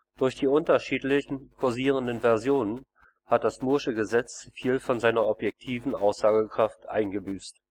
Durch die unterschiedlichen kursierenden Versionen hat das mooresche Gesetz viel von seiner objektiven Aussagekraft eingebüßt